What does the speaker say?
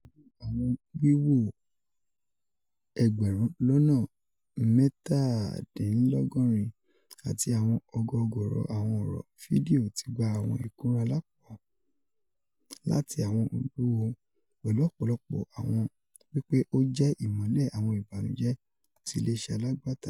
Pẹlu awọn wiwo 77,000 ati awọn ọgọgọrọ awọn ọrọ, fidio ti gba awọn ikunra alapọ lati awọn oluwo, pẹlu ọpọlọpọ awọn wi pe o jẹ imọlẹ awọn "ibanujẹ" ti ile-iṣẹ alagbata.